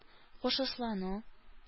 Һушсызлану